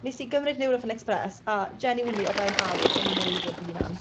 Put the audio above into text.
nnes i gymryd Nurofen Express a genuinely o fewn awr o'n i nôl i fod fy hunan.